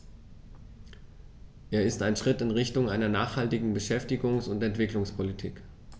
Er ist ein Schritt in Richtung einer nachhaltigen Beschäftigungs- und Entwicklungspolitik.